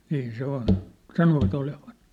niin se on sanovat olevan